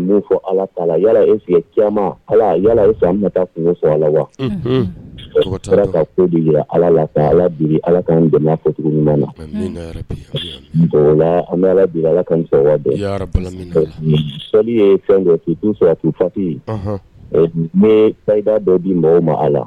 min fɔ ala' la yala e camanma ala yala e an bɛ taa kungo fɔ ala la wa ka bi ala la ka ala bi ala ka fɔ na an bɛ ala bi ala ka sali ye fɛn dɔ sɔrɔ fati ye dɔ di mɔgɔw ma a la